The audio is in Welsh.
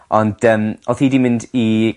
Ond yym odd hi 'di mynd i